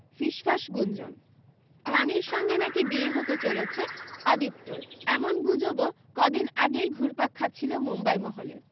ফিসফাস গুঞ্জন রানির সঙ্গে নাকি বিয়ে হতে চলেছে আদিত্যর এমন গুজবও ক দিন আগেই ঘুরপাক খাচ্ছিল মুম্বাই মহলে